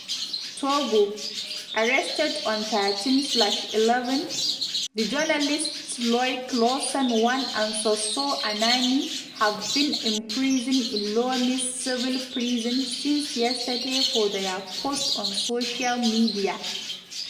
#Togo: arrested on 13/11, the journalists @loiclawson1 and @SossouAnani have been imprisoned in Lomé’s civil prison since yesterday for their posts on social media.